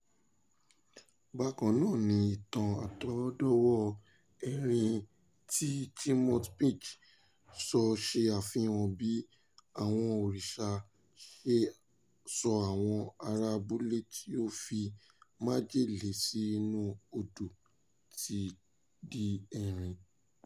Bákan náà ni ìtàn àtọwọ́dọ́wọ́ọ erin tí Chhot Pich sọ ṣe àfihàn bí àwọn òrìṣà ṣe sọ àwọn ará abúlé tí ó fi májèlé sí inú odò di erin.